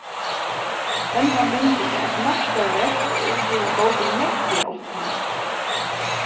hendan myndin er eitt meistaraverk og eg hevði goldið nógv fyri at átt hana